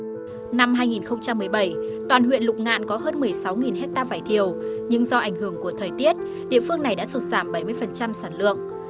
năm hai nghìn không trăm mười bảy toàn huyện lục ngạn có hơn mười sáu nghìn héc ta vải thiều nhưng do ảnh hưởng của thời tiết địa phương này đã sụt giảm bảy mươi phần trăm sản lượng